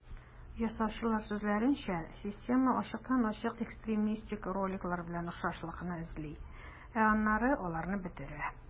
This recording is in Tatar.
Ясаучылар сүзләренчә, система ачыктан-ачык экстремистик роликлар белән охшашлыкны эзли, ә аннары аларны бетерә.